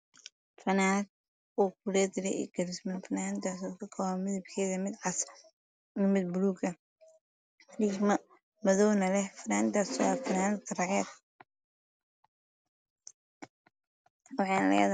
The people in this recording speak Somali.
finanad oo kuletile finanadaso kakoban midabked Mid Cas Mid buluga madawna Leh finanadasi wa finadad raged waxayna leda